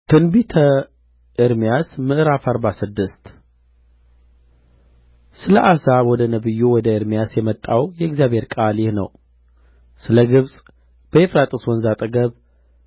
ትንቢተ ኤርምያስ ምዕራፍ አርባ ስድስት ስለ አሕዛብ ወደ ነቢዩ ወደ ኤርምያስ የመጣው የእግዚአብሔር ቃል ይህ ነው ስለ ግብጽ በኤፍራጥስ ወንዝ አጠገብ